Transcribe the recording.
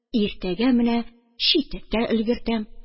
Иртәгә менә читек тә өлгертәм